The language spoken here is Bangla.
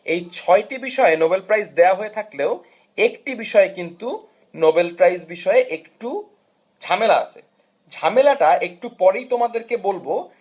এই ছয়টি বিষয়ে নোবেল প্রাইজ দেয়া হয়ে থাকলেও একটি বিষয়ে নোবেল প্রাইজ বিষয় বিষয়ে একটু ঝামেলা আছে ঝামেলাটা একটু পরেই তোমাদেরকে বলবো